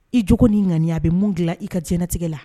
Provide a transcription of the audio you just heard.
I cogo ni ɲani a bɛ mun dilan i ka jtigɛ la